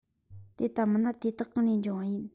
དེ ལྟ མིན ན དེ དག གང ལས འབྱུང བ ཡིན